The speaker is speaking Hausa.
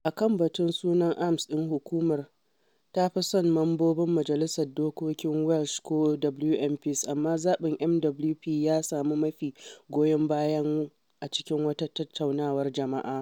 A kan batun sunan AMs ɗin, Hukumar ta fi son Mambobin Majalisar Dokokin Welsh ko WMPs, amma zaɓin MWP ya sami mafi goyon bayan a cikin wata tattaunawar jama’a.